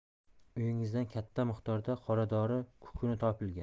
uyingizdan katta miqdorda qoradori kukuni topilgan